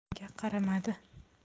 u menga qaramadi